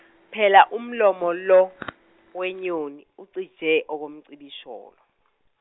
phela umlomo lo wenyoni ucije okomcibisholo.